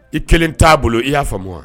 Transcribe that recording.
I kelen t'a bolo i y'a faamuya wa